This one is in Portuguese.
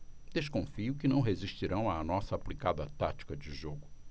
desconfio que não resistirão à nossa aplicada tática de jogo